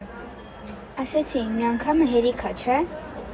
֊ Ասեցի մի անգամը հերիք ա, չէ՞…